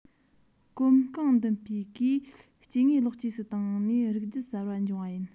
གོམ གང མདུན སྤོས སྒོས སྐྱེ དངོས ལེགས བཅོས སུ བཏང ནས རིགས རྒྱུད གསར པ འབྱུང བ ཡིན